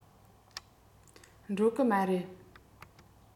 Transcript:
འགྲོ གི མ རེད